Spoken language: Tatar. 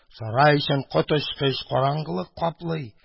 Сарай эчен коточкыч караңгылык каплый.